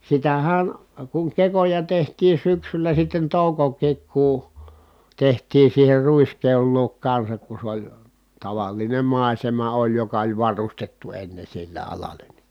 sitähän kun kekoja tehtiin syksyllä sitten toukokin kun tehtiin siihen ruiskeon luo kanssa kun se oli tavallinen maisema oli joka oli varustettu ennen sille alalle niin